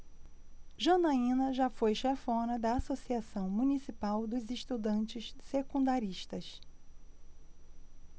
janaina foi chefona da ames associação municipal dos estudantes secundaristas